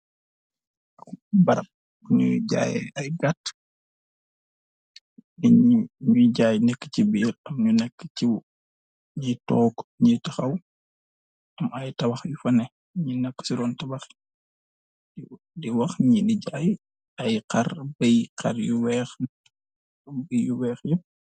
Barab bi ñoy jayèh ay gaat, ñoy jaay nek ci biir ñènen ñi neka ci bitti, ñi tok, ñi taxaw. Am ay tabax Yu fa nek, di wax ñi di jaay ay xàr, bèy. Xar yu wèèx ak bèy Yu wèèx.